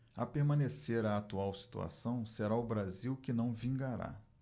a permanecer a atual situação será o brasil que não vingará